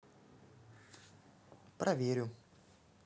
проверю